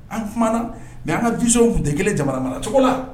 An kumana mais an ka vision u kun tɛ 1 ye jamanamara cogo la